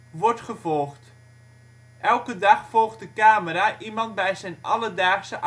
Wordt gevolgd: Elke dag volgt de camera iemand bij zijn alledaagse activiteiten